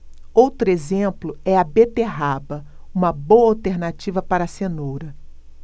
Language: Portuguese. outro exemplo é a beterraba uma boa alternativa para a cenoura